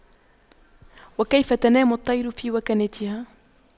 وكيف تنام الطير في وكناتها